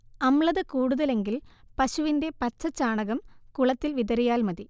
അമ്ലത കൂടുതലെങ്കിൽ പശുവിന്റെ പച്ചച്ചാണകം കുളത്തിൽ വിതറിയാൽമതി